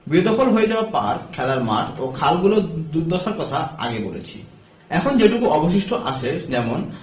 বেদখল হয়ে যাওয়া পার্ক খেলার মাঠ ও খালগুলোর দুর্দশার কথা আগে বলেছি এখন যেটুকু অবশিষ্ট আছে যেমন